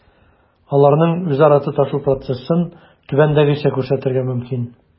Аларның үзара тоташу процессын түбәндәгечә күрсәтергә мөмкин: